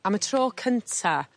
Am y tro cynta